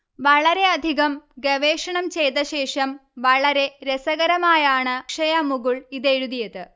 വളരെയധികം ഗവേഷണം ചെയ്തശേഷം, വളരെ രസകരമായാണ് അക്ഷയ മുകുൾ ഇതെഴുതിയത്